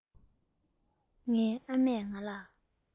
ངའི ཨ མས ང ལ